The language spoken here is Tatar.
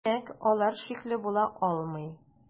Димәк, алар шикле була алмый.